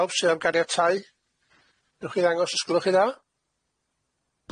Pawb sy am ganiatáu nowch chi ddangos os gwelwch chi dda?